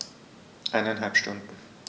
Eineinhalb Stunden